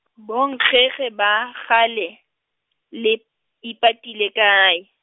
bonkgekge ba kgale, le, ipatile kae?